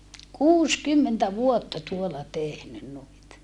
kuusikymmentä vuotta tuolla tehnyt noita